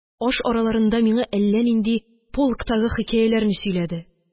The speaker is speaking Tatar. Аш араларында миңа әллә нинди полктагы хикәяләрне сөйләде